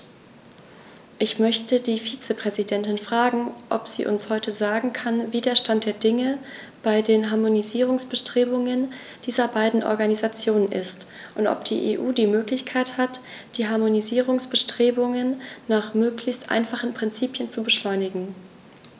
Ich möchte die Vizepräsidentin fragen, ob sie uns heute sagen kann, wie der Stand der Dinge bei den Harmonisierungsbestrebungen dieser beiden Organisationen ist, und ob die EU die Möglichkeit hat, die Harmonisierungsbestrebungen nach möglichst einfachen Prinzipien zu beschleunigen.